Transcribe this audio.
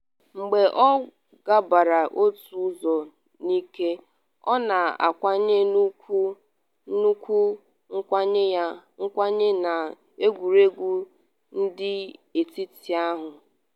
Mgbe ọ gabara otu ụzọ n’ike, ọ na-akwanye nnukwu nkwanye na egwuregwu ndị etiti ahụ.